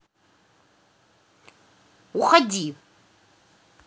уходи